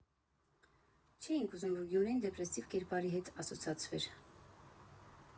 Չէինք ուզում, որ Գյումրին դեպրեսիվ կերպարի հետ ասոցացվեր։